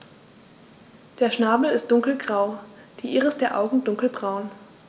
Der Schnabel ist dunkelgrau, die Iris der Augen dunkelbraun.